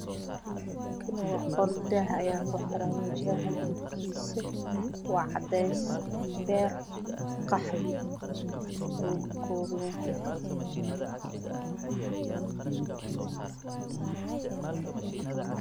Kani waa qol daah ayaa ku xiran daaha midabkiisu waa caday beer qaxwi ayuu ka kooban yahay